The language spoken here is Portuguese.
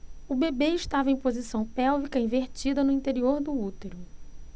o bebê estava em posição pélvica invertida no interior do útero